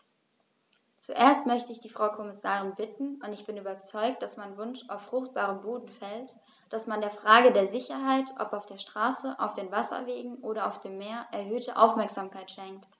Zuerst möchte ich die Frau Kommissarin bitten - und ich bin überzeugt, dass mein Wunsch auf fruchtbaren Boden fällt -, dass man der Frage der Sicherheit, ob auf der Straße, auf den Wasserwegen oder auf dem Meer, erhöhte Aufmerksamkeit schenkt.